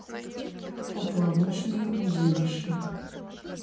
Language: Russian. поплавочные удилищи